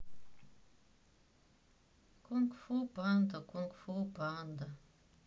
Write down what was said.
кунг фу панда кунг фу панда